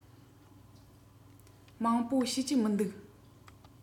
མང པོ ཤེས ཀྱི མི འདུག